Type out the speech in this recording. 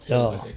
jaa